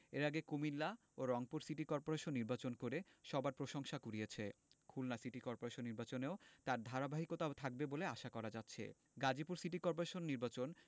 এর আগে কুমিল্লা ও রংপুর সিটি করপোরেশন নির্বাচন করে সবার প্রশংসা কুড়িয়েছে খুলনা সিটি করপোরেশন নির্বাচনেও তার ধারাবাহিকতা থাকবে বলে আশা করা হচ্ছে গাজীপুর সিটি করপোরেশন নির্বাচন